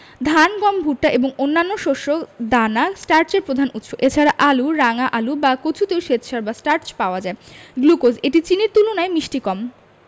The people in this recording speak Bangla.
ধান গম ভুট্টা এবং অন্যান্য শস্য দানা স্টার্চের প্রধান উৎস এছাড়া আলু রাঙা আলু বা কচুতেও শ্বেতসার বা স্টার্চ পাওয়া যায় গ্লুকোজ এটি চিনির তুলনায় মিষ্টি কম